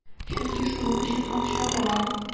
Чөнки шуның өчен акча ала.